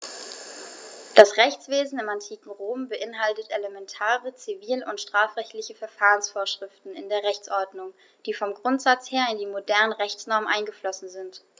Das Rechtswesen im antiken Rom beinhaltete elementare zivil- und strafrechtliche Verfahrensvorschriften in der Rechtsordnung, die vom Grundsatz her in die modernen Rechtsnormen eingeflossen sind.